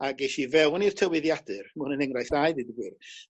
ag es i fewn i'r tywyddiadur ma' hwn yn enghraiff dda i ddeud yn gwir